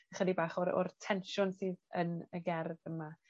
ychydig bach o'r o'r tensiwn sydd yn y gerdd yma.